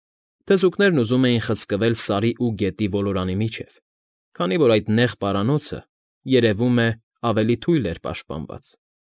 Թզուկներն ուզում էին խցկվել Սարի ու գետի ոլորանի միջև, քանի որ այդ նեղ պարանոցը, երևում է, ավելի թույլ էր պաշտպանված։